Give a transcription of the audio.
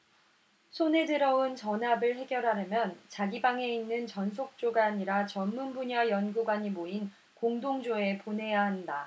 손에 들어온 전합을 해결하려면 자기 방에 있는 전속조가 아니라 전문분야 연구관이 모인 공동조에 보내야 한다